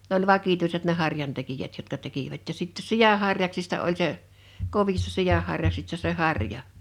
ne oli vakituiset ne harjantekijät jotka tekivät ja sitten sian harjaksista oli se kovista sianharjaksista se harja